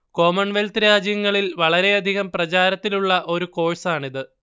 Commonwealth രാജ്യങ്ങളിൽ വളരെയധികം പ്രചാരത്തിലുള്ള ഒരു കോഴ്സാണിത്